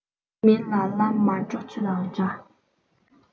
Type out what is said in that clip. མི ལ ལ མར འགྲོ ཆུ དང འདྲ